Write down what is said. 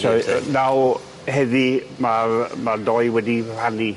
So yy naw heddi ma'r ma'r doi wedi rhannu.